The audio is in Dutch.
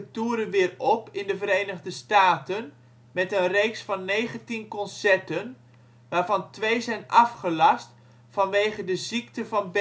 toeren weer op in de Verenigde Staten met een reeks van 19 concerten, waarvan twee zijn afgelast vanwege de ziekte van